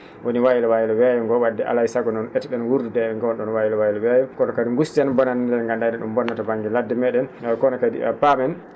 woni waylo waylo weeyo ngo wadde alaa e sago eto?en wuurdude e ngoon ?oon waylo waylo weeyo kono kadi gusten bonande nde nganndu?aa e?en bonna to ba?nge ladde mee?en kono kadi paamen